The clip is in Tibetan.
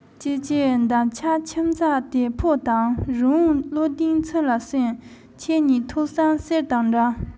ཀྱེ ཀྱེ འདབ ཆགས ཁྱིམ བྱ དེ ཕོ དང རི བོང བློ ལྡན ཚུར ལ གསོན ཁྱེད གཉིས ཐུགས བསམ གསེར དང འདྲ